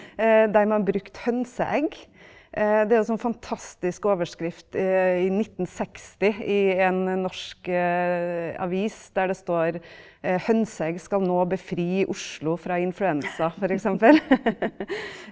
der man brukte hønseegg det er jo sånn fantastisk overskrift i 1960 i en norsk avis der det står hønseegg skal nå befri Oslo fra influensa for eksempel.